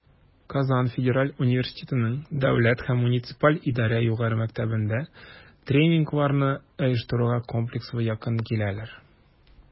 КФУ Дәүләт һәм муниципаль идарә югары мәктәбендә тренингларны оештыруга комплекслы якын киләләр: